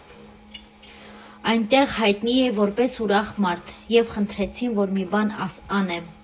Այնտեղ հայտնի էի որպես ուրախ մարդ և խնդրեցին, որ մի բան անեմ։